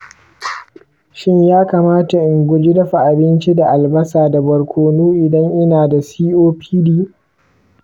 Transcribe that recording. shin ya kamata in guji dafa abinci da albasa da barkono idan ina da copd?